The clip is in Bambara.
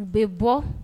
U bɛ bɔ